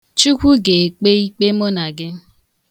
Chukwu ga-ekpe ikpe mụ na gị.